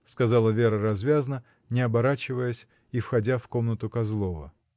— сказала Вера развязно, не оборачиваясь и входя в комнату Козлова.